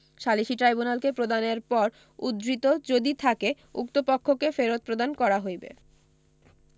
সালিসী ট্রাইব্যুনালকে প্রদানের পর উদ্বৃত্ত যদি থাকে উক্ত পক্ষকে ফেরত প্রদান করা হইবে